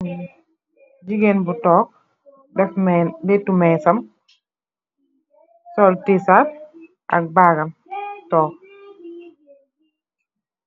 Jigeen bu tog def mee laytu messam sol tshirt ak bagam tog.